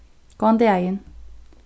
góðan dagin